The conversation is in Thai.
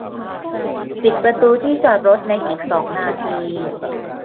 ปิดประตูที่จอดรถในอีกสองนาที